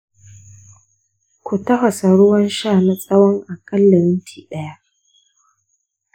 ku tafasa ruwan sha na tsawon aƙalla minti ɗaya.